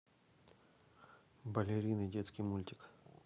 балерины детский мультик